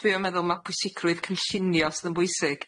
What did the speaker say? dwi yn meddwl ma' pwysigrwydd cynllunio sydd yn bwysig,